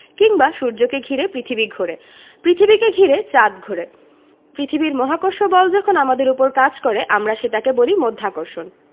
কিংবা সূর্যকে ঘিরে পৃথিবী ঘোরে পৃথিবীকে ঘিরে চাঁদ ঘোরে পৃথিবীর মহাকর্ষ বল যখন আমাদের ওপর কাজ করে আমরা সেটাকে বলি মাধ্যাকর্ষণ